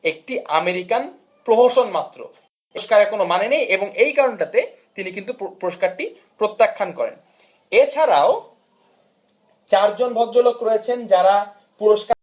একটি আমেরিকান প্রহসন মাত্র এই পুরস্কারে কোন মানে নেই এবং এই কারন টা তে তিনি কিন্তু পুরস্কারটি প্রত্যাখ্যান করেন এছাড়াও চারজন ভদ্রলোক রয়েছেন যারা পুরস্কারটা